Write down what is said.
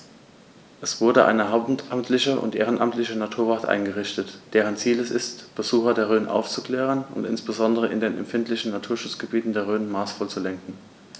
Es wurde eine hauptamtliche und ehrenamtliche Naturwacht eingerichtet, deren Ziel es ist, Besucher der Rhön aufzuklären und insbesondere in den empfindlichen Naturschutzgebieten der Rhön maßvoll zu lenken.